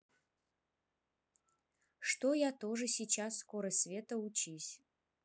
что я тоже сейчас скорость света учись